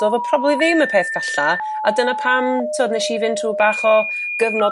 d'odd o probably ddim y peth calla a dyna pam t'wod nesi fynd trw' bach o gyfnod